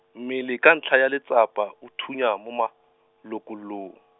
mmele ka ntlha ya letsapa o thunya mo malokololong.